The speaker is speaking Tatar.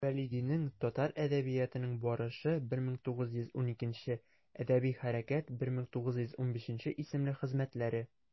Вәлидинең «Татар әдәбиятының барышы» (1912), «Әдәби хәрәкәт» (1915) исемле хезмәтләре.